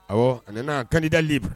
Ayiwa a nana kan dalenli